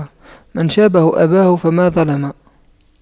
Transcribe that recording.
من شابه أباه فما ظلم